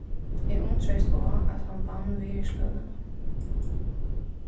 eg undraðist á at hann vann virðislønina